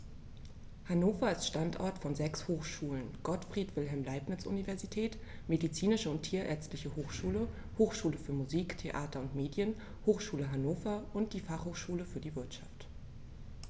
Hannover ist Standort von sechs Hochschulen: Gottfried Wilhelm Leibniz Universität, Medizinische und Tierärztliche Hochschule, Hochschule für Musik, Theater und Medien, Hochschule Hannover und die Fachhochschule für die Wirtschaft.